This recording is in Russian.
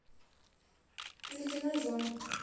в ледяной замок